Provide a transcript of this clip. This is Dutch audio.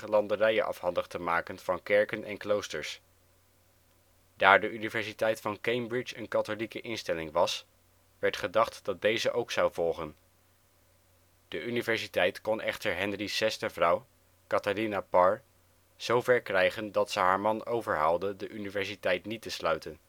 landerijen afhandig te maken van kerken en kloosters. Daar de Universiteit van Cambridge een katholieke instelling was, werd gedacht dat deze ook zou volgen. De universiteit kon echter Henry’ s zesde vrouw, Catharina Parr, zover krijgen dat ze haar man overhaalde de universiteit niet te sluiten